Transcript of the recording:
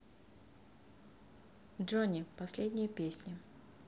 johnny последняя песня